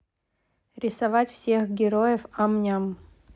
рисовать всех героев ам ням